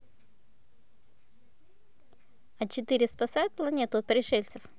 а четыре спасает планету от пришельцев